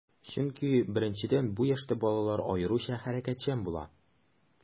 Чөнки, беренчедән, бу яшьтә балалар аеруча хәрәкәтчән була.